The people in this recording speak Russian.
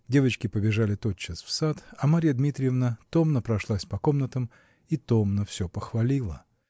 Девочки побежали тотчас в сад, а Марья Дмитриевна томно прошлась по комнатам и томно все похвалила.